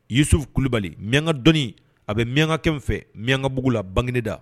Yesufuli kulubali miyanka dɔnnii a bɛ miyankakɛ fɛ miyanka bugu la bangda